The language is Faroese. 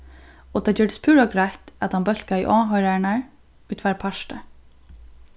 og tað gjørdist púra greitt at hann bólkaði áhoyrararnar í tveir partar